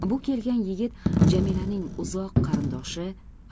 bu kelgan yigit jamilaning uzoq qarindoshi